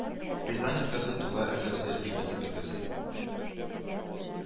Рязань өлкәсе, Тула өлкәсе, Липецк өлкәсе